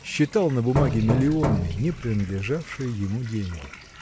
считал на бумаге миллионами не принадлежавшие ему деньги.